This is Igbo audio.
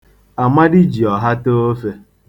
Amadi ji ọha tee ofe